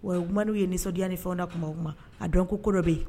Wa kumaumana'u ye nisɔndiyaani fɛnda tuma o kuma a dɔn kokolo bɛ yen